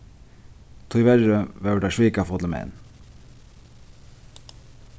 tíverri vóru teir svikafullir menn